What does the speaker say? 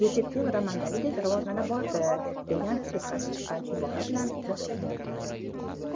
detektiv romandagidek rivojlana bordi degan siyqasi chiqqan ibora bilan boshlagan edilar